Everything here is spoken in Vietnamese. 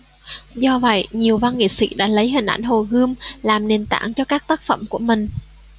do vậy nhiều văn nghệ sĩ đã lấy hình ảnh hồ gươm làm nền tảng cho các tác phẩm của mình